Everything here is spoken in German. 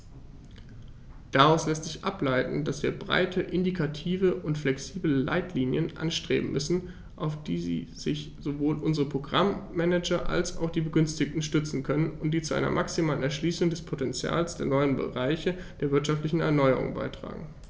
Daraus lässt sich ableiten, dass wir breite, indikative und flexible Leitlinien anstreben müssen, auf die sich sowohl unsere Programm-Manager als auch die Begünstigten stützen können und die zu einer maximalen Erschließung des Potentials der neuen Bereiche der wirtschaftlichen Erneuerung beitragen.